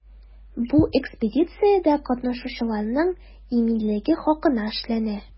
Бу экспедициядә катнашучыларның иминлеге хакына эшләнә.